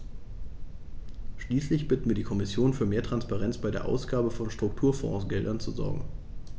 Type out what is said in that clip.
Schließlich bitten wir die Kommission, für mehr Transparenz bei der Ausgabe von Strukturfondsgeldern zu sorgen.